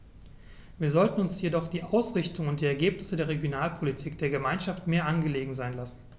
Wir sollten uns jedoch die Ausrichtung und die Ergebnisse der Regionalpolitik der Gemeinschaft mehr angelegen sein lassen.